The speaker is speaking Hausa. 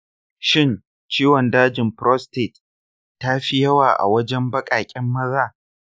shin ciwon dajin prostate ta fi yawa a wajen baƙaƙen maza?